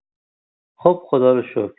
خب خدارو شکر